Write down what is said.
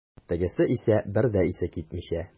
Тегесе исә, бер дә исе китмичә.